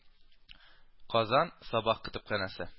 Казан : Сабах көтепханәсе;